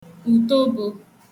ùtobo